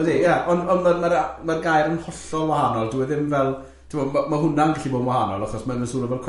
Yndi, ie, ond ond ma'r a- ma'r gair yn hollol wahanol, dyw e ddim fel, timod ma' ma' hwnna'n gallu bod yn wahanol achos ma hwnna'n swno fel